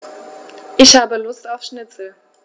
Ich habe Lust auf Schnitzel.